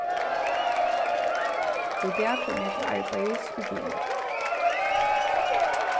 í dag kom eg til arbeiðis í bili